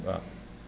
waaw